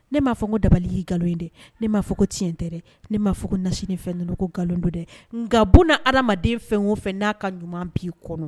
Ne m'a fɔ ko dabali ye nkalon ye dɛ ne m'a fɔ ko tiɲɛn tɛ dɛ, ne m'a fɔ ko nasi ni fɛn ninnu ko nkalon don dɛ, nka bun adamaden fɛn o fɛn n'a ka ɲuman bi kɔnɔ